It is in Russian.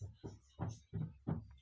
у вас картинка голосовая очень красивая